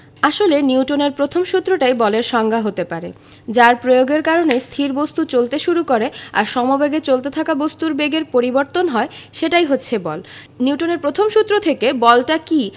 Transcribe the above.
আসলে নিউটনের প্রথম সূত্রটাই বলের সংজ্ঞা হতে পারে যার প্রয়োগের কারণে স্থির বস্তু চলতে শুরু করে আর সমবেগে চলতে থাকা বস্তুর বেগের পরিবর্তন হয় সেটাই হচ্ছে বল নিউটনের প্রথম সূত্র থেকে বলটা কী